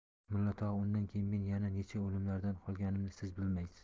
mulla tog'a undan keyin men yana necha o'limlardan qolganimni siz bilmaysiz